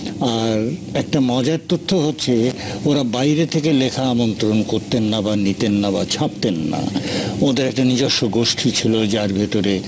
আর একটা মজার তথ্য হচ্ছে ওরা বাইরে থেকে লেখা আমন্ত্রণ করতেন না বা নিতেন না বা ছাপতেন না ওদের একটা নিজস্ব গোষ্ঠী ছিল যার ভেতরে